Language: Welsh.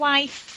waith